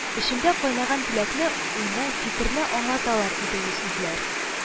Эчендә кайнаган теләкне, уйны, фикерне аңлаталар иде ул сүзләр